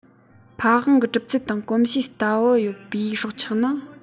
ཕ ཝང གི གྲུབ ཚུལ དང གོམས གཤིས ལྟ བུ ཡོད པའི སྲོག ཆགས ནི